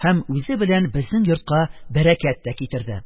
Һәм үзе белән безнең йортка бәрәкәт тә китерде: